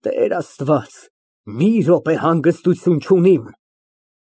Տեր Աստված, մի րոպե հանգստություն չունիմ։